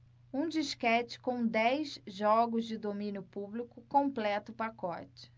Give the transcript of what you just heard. um disquete com dez jogos de domínio público completa o pacote